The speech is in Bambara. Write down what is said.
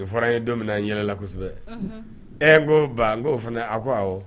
O fɔra ye don yɛlɛla kosɛbɛ e n ko n koo fana a ko